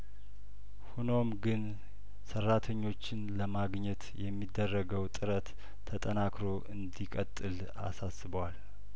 ሁኖም ግን ሰራተኞችን ለማግኘት የሚደረገው ጥረት ተጠናክሮ እንዲቀጥል አሳስቧል